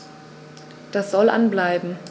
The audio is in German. Das soll an bleiben.